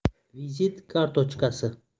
visit kartochkasi